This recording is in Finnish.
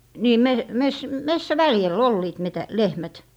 niin -- metsäväljällä olivat - lehmät